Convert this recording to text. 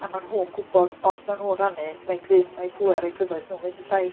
A maen nhw'n gwybod, os wnawn nhw rhannu mae eu grym a'i pŵer, eu cyfoeth nhw'n mynd yn llai.